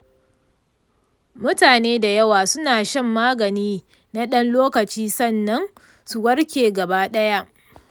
mutane da yawa suna shan magani na ɗan lokaci sannan su warke gaba ɗaya.